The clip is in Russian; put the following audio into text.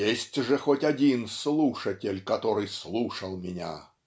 "Есть же хоть один слушатель, который слышал меня.